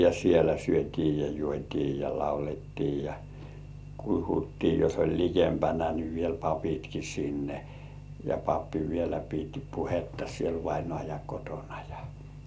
ja siellä syötiin ja juotiin ja laulettiin ja puhuttiin jos oli likempänä niin vielä papitkin sinne ja pappi vielä piti puhetta siellä vainajan kotona ja